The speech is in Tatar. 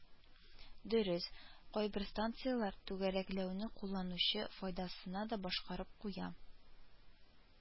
Дөрес, кайбер станцияләр түгәрәкләүне кулланучы файдасына да башкарып куя